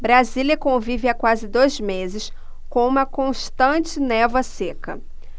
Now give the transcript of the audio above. brasília convive há quase dois meses com uma constante névoa seca